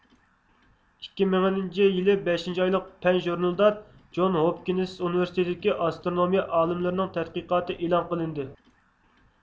ئىككى مىڭىنچى يىلى بەشىنچى ئايلىق پەن ژۇرنىلىدا جون ھوپكىنىس ئۇنىۋېرسىتېتىدىكى ئاسترونومىيە ئالىملىرىنىڭ تەتقىقاتى ئېلان قىلىندى